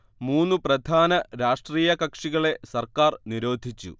മൂന്നു പ്രധാന രാഷ്ട്രീയ കക്ഷികളെ സർക്കാർ നിരോധിച്ചു